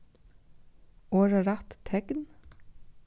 orðarætt tekn